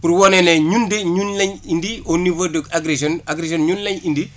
pour wane ne ñun de ñun lañ indi au niveau de Agri Jeunes Agri Jeunes ñun lañ indi